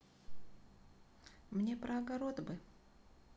мне про огород бы